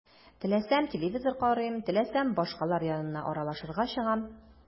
Теләсәм – телевизор карыйм, теләсәм – башкалар янына аралашырга чыгам.